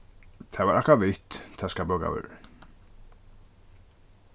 tað var akvavitt teskar bókavørðurin